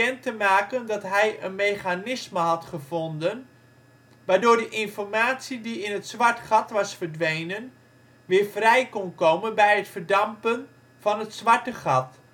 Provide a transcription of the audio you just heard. te maken dat hij een mechanisme had gevonden waardoor de informatie die in het zwarte gat was verdwenen, weer vrij kon komen bij het verdampen van het zwarte gat